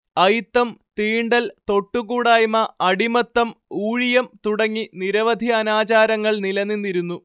അയിത്തം തീണ്ടൽ തൊട്ടുകൂടായ്മ അടിമത്തം ഊഴിയം തുടങ്ങി നിരവധി അനാചാരങ്ങൾ നിലനിന്നിരുന്നു